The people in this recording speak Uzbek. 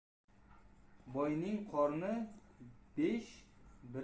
boyning qorni besh